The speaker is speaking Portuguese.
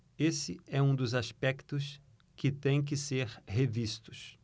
esse é um dos aspectos que têm que ser revistos